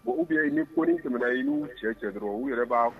Bon bi i ni kɔnɔni tɛmɛna i y'u cɛ cɛ dɔrɔn u yɛrɛ b'a